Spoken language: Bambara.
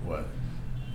Wa